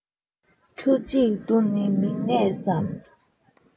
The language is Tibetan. ཁྱུ གཅིག ཏུ ནི མི གནས སམ